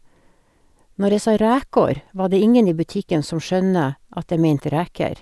Når jeg sa rækår var det ingen i butikken som skjønte at jeg mente reker.